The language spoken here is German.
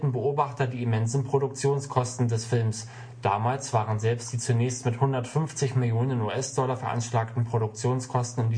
Beobachter die immensen Produktionskosten des Films. Damals waren selbst die zunächst mit 150 Millionen US-Dollar veranschlagten Produktionskosten